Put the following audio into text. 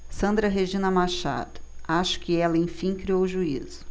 sandra regina machado acho que ela enfim criou juízo